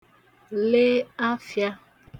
le afị̄ā